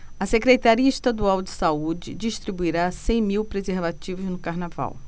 a secretaria estadual de saúde distribuirá cem mil preservativos no carnaval